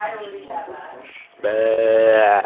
песня двадцать двадцать